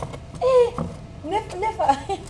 Ee ne tile ne fa